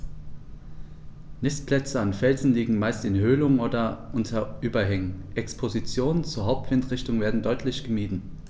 Nistplätze an Felsen liegen meist in Höhlungen oder unter Überhängen, Expositionen zur Hauptwindrichtung werden deutlich gemieden.